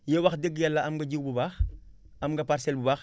yow wax dëgg yàlla am nga jiw bu baax am nga parcelle bu baax